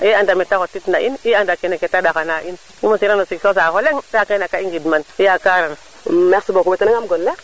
merci beaucoup wetana ngam gon le